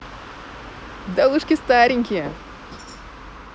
да ушки старенькие